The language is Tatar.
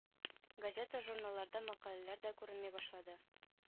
Газета-журналларда мәкаләләр дә күренми башлады